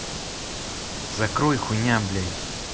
закрой хуйня блядь